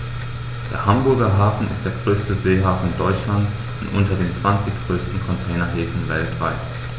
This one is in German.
Der Hamburger Hafen ist der größte Seehafen Deutschlands und unter den zwanzig größten Containerhäfen weltweit.